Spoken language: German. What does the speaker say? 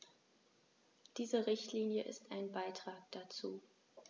Diese Richtlinie ist ein Beitrag dazu.